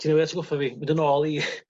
ti newydd atgoffa fi mynd yn nôl i